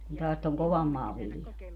kun taas tuon kovan maan vilja